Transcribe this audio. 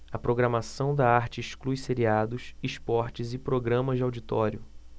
a programação da arte exclui seriados esportes e programas de auditório